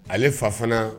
Ale fa fana